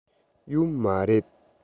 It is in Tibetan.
ཡོད མ རེད